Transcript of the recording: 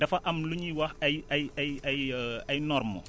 dafa am lu ñuy wax ay ay ay ay ay ay normes